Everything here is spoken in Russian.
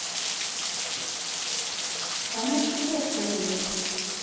она чудесная девочка